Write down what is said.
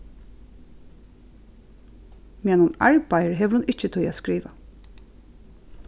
meðan hon arbeiðir hevur hon ikki tíð at skriva